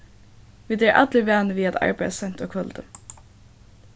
vit eru allir vanir við at arbeiða seint á kvøldi